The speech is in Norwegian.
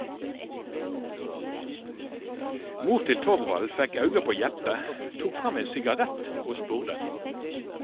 Mor til Torvald fekk auga på Jeppe, tok fram ein sigarett, og spurde: